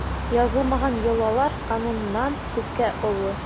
Язылмаган йолалар кануннан күпкә олы.